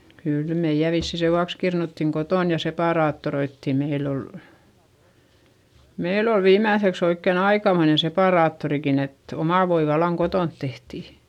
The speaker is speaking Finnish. kyllä meidän vissiin sen vuoksi kirnuttiin kotona ja separaattoroitiin meillä oli meillä oli viimeiseksi oikein aikamoinen separaattorikin että oma voi vallan kotona tehtiin